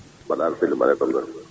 mbaɗɗa aɗa selli no mbaɗɗa e tampere